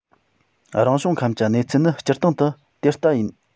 རང བྱུང ཁམས ཀྱི གནས ཚུལ ནི སྤྱིར བཏང དུ དེ ལྟ ཡིན